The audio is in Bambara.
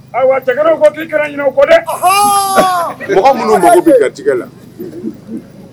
Ayiwa cɛgananw ko k'i kana ɲinɛ u kɔ dɛɛ ɔhɔnnn mɔgɔ minnu mago bɛ garijigɛ la unhun